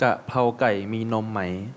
กะเพราไก่มีนมไหม